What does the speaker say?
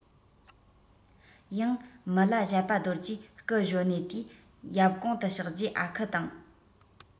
ཡང མི ལ བཞད པ རྡོ རྗེ སྐུ གཞོན ནུའི དུས ཡབ གུང དུ གཤེགས རྗེས ཨ ཁུ དང